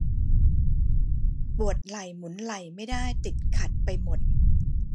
ปวดไหล่หมุนไหล่ไม่ได้ติดขัดไปหมด